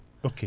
ok